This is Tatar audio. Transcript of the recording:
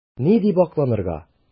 Ни дип акланырга?